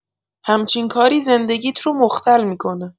همچین کاری زندگیت رو مختل می‌کنه؟